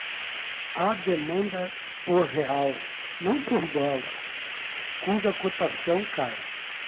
há demanda por real não por dólar cuja cotação cai